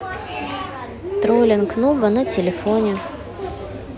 троллинг нуба на телефоне